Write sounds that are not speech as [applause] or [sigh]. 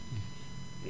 [hesitation] [hesitation]